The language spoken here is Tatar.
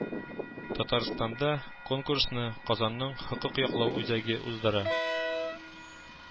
Татарстанда конкурсны Казанның Хокук яклау үзәге уздыра